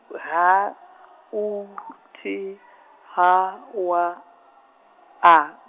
H, U , T, H, W, A.